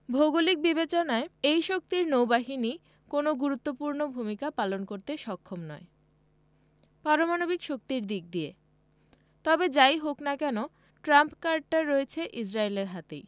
ভৌগোলিক বিবেচনায় এই শক্তির নৌবাহিনী কোনো গুরুত্বপূর্ণ ভূমিকা পালন করতে সক্ষম নয় পারমাণবিক শক্তির দিক দিয়ে তবে যা ই হোক না কেন ট্রাম্প কার্ডটা রয়েছে ইসরায়েলের হাতেই